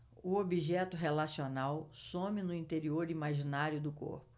o objeto relacional some no interior imaginário do corpo